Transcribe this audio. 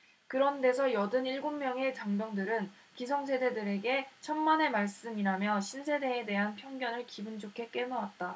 그런 데서 여든 일곱 명의 장병들은 기성세대들에게 천만의 말씀이라며 신세대에 대한 편견을 기분좋게 깨놓았다